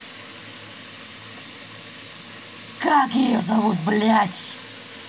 как ее зовут блядь